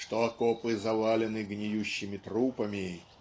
что окопы завалены гниющими трупами